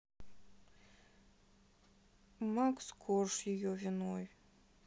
макс корж ее виной